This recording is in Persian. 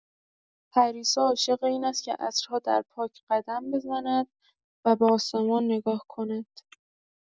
پریسا عاشق این است که عصرها در پارک قدم بزند و به آسمان نگاه کند.